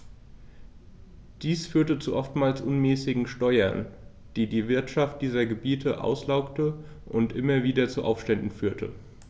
Dies führte zu oftmals unmäßigen Steuern, die die Wirtschaft dieser Gebiete auslaugte und immer wieder zu Aufständen führte.